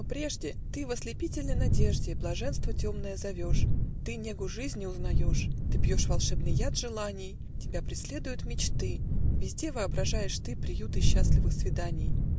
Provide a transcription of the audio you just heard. но прежде Ты в ослепительной надежде Блаженство темное зовешь, Ты негу жизни узнаешь, Ты пьешь волшебный яд желаний, Тебя преследуют мечты: Везде воображаешь ты Приюты счастливых свиданий